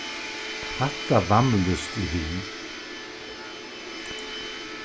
hatta vamlist eg við